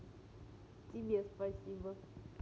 тебе спасибо